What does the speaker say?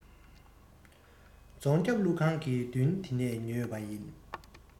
རྫོང རྒྱབ ཀླུ རྒྱབ ཁང གི མདུན དེ ནས ཉོས པ ཡིན